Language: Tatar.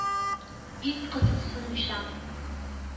Бик кызыксынучан,